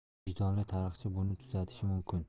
vijdonli tarixchi buni tuzatishi mumkin